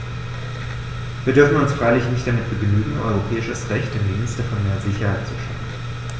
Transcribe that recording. Wir dürfen uns freilich nicht damit begnügen, europäisches Recht im Dienste von mehr Sicherheit zu schaffen.